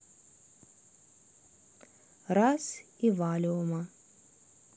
раз и валиума